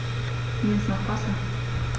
Mir ist nach Pasta.